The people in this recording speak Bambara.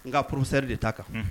N ka ppsɛri de ta kan